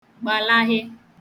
gbàlaghị